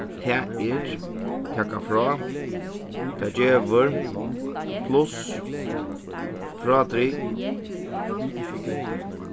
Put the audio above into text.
tað er taka frá tað gevur pluss